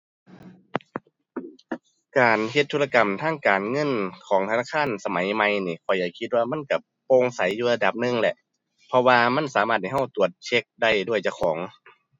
การเฮ็ดธุรกรรมทางการเงินของธนาคารสมัยใหม่นี้ ข้อยก็คิดว่ามันก็โปร่งใสอยู่ระดับหนึ่งแหละ เพราะว่ามันสามารถให้ก็ตรวจเช็กได้ด้วยเจ้าของ